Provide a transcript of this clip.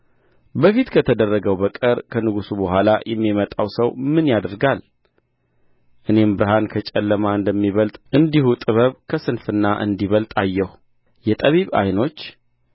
በፊት ከተደረገው በቀር ከንጉሥ በኋላ የሚመጣው ሰው ምን ያደርጋል እኔም ብርሃን ከጨለማ እንደሚበልጥ እንዲሁ ጥበብ ከስንፍና እንዲበልጥ አየሁ የጠቢብ ዓይኖች